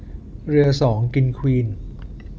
เรือสองกินควีน